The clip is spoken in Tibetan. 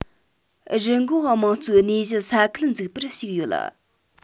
རི འགོག དམངས གཙོའི གནས གཞི ས ཁུལ འཛུགས པར ཞུགས ཡོད